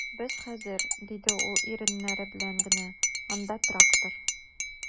Без хәзер, - диде ул иреннәре белән генә, - анда трактор...